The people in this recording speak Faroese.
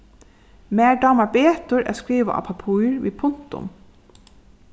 mær dámar betur at skriva á pappír við puntum